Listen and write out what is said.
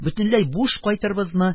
Бөтенләй буш кайтырбызмы